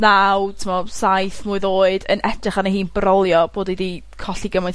naw t'mo', saith mlwydd oed yn edrych arni hi'n brolio bod 'i 'di colli gymaint